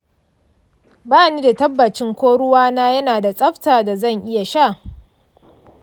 bani da tabbacin ko ruwana ya nada tsaftan da zan iya sha.